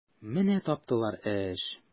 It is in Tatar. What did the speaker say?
Менә таптылар эш!